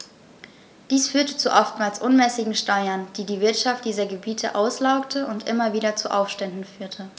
Dies führte zu oftmals unmäßigen Steuern, die die Wirtschaft dieser Gebiete auslaugte und immer wieder zu Aufständen führte.